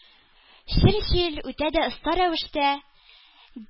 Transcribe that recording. Черчилль үтә дә оста рәвештә